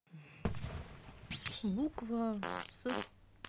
буква с